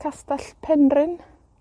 castell Penrhyn?